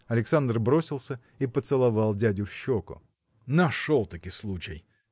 Александр бросился и поцеловал дядю в щеку. – Нашел-таки случай!